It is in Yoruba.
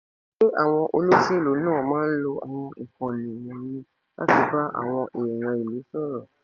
Ṣé àwọn olóṣèlú náà máa ń lo àwọn ìkànnì wọ̀nyẹn láti bá àwọn èèyàn ìlú sọ̀rọ̀?